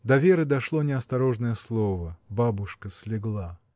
До Веры дошло неосторожное слово: бабушка слегла!